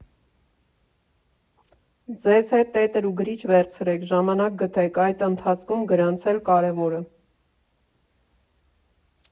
Ձեզ հետ տետր ու գրիչ վերցրեք, ժամանակ գտեք այդ ընթացքում գրանցել կարևորը։